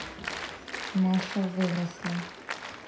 маша выросла